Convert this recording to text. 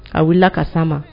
A wulila ka sama ma